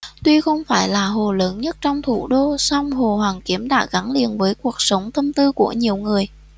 tuy không phải là hồ lớn nhất trong thủ đô song hồ hoàn kiếm đã gắn liền với cuộc sống và tâm tư của nhiều người